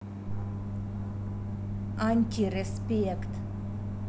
антиреспект